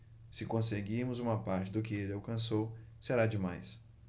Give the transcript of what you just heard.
se conseguirmos uma parte do que ele alcançou será demais